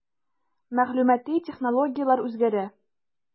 Мәгълүмати технологияләр үзгәрә.